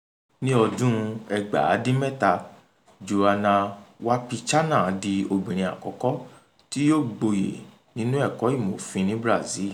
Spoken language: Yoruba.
Ní ọdún-un 1997, Joenia Wapichana di obìnrin àkọ́kọ́ tí yóò gboyè nínú ẹ̀kọ́ ìmọ̀ òfin ní Brazil.